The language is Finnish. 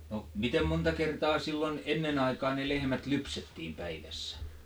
no miten monta kertaa silloin ennen aikaan ne lehmät lypsettiin päivässä